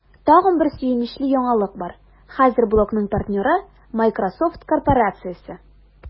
Тагын бер сөенечле яңалык бар: хәзер блогның партнеры – Miсrosoft корпорациясе!